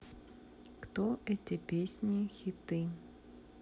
кто эти песни хиты